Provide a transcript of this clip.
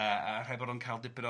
yy a rhaid bod o'n cael dipyn o